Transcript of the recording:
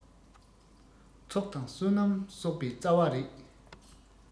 ཚོགས དང བསོད ནམས གསོག པའི རྩ བ རེད